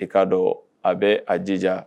I k'a dɔn a bɛ a jija